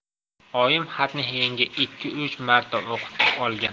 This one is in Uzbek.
oyim xatni menga ikki uch marta o'qitib olgan